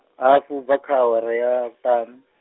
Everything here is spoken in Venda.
hafu ubva kha awara ya, vhuṱaṋu.